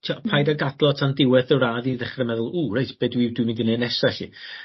Ti'o' paid a gadl o tan diwedd dy radd i ddechre meddwl w reit be' dwi dwi mynd i neud nesa 'elly.